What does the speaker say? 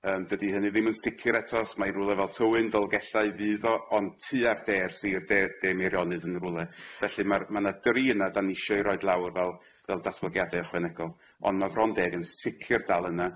Yym dydi hynny ddim yn sicir etos mae rywle fel Tywyn, Dolgellau fydd o ond tua'r de'r sir de'r de' Meirionnydd yn rywle felly ma'r ma' na dri yna dan ni isio'i roid lawr fel fel datblygiade ychwanegol ond ma' Frondeg yn sicir dal yna.